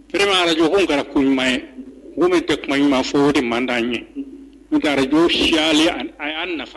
Ma araj anw kɛra ko ɲuman ye ko min tɛ kuma ɲuman fɔ o de man ye u garirej si